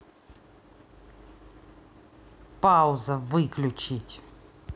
пауза выключить